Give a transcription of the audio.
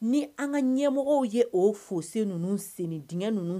Ni an ka ɲɛmɔgɔw ye o fosen ninnu sen d ninnu